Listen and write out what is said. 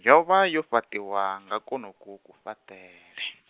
yo vha yo fhaṱiwa, nga kwonoku kufhaṱele.